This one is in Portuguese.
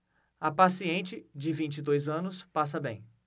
a paciente de vinte e dois anos passa bem